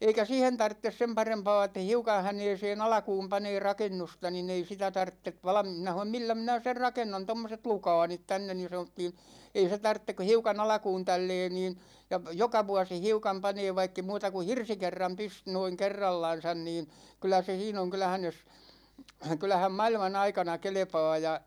eikä siihen tarvitse sen parempaa että hiukan häneen alkuun panee rakennusta niin ei sitä tarvitse - minä sanoin millä minä sen rakennan tuommoiset lukaalit tänne niin sanottiin ei se tarvitse kuin hiukan alkuun tällä lailla niin ja - joka vuosi hiukan panee vaikka ei muuta kuin hirsikerran - noin kerrallansa niin kyllä se siinä on kyllähän jos kyllähän maailman aikana kelpaa ja